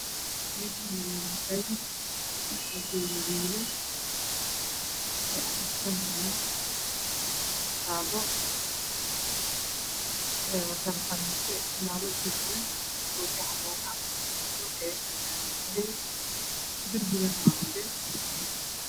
Meeshaan waa masaajid waxaa joogo wiilal waxay aqrisanaayaan kitaabo waxay wataan qamiisyo iyo cimaamado gaduudan. Dhulkana waa dahabi darbiga waa cadeys.